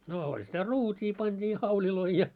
no oli sitä ruutia pantiin hauleja ja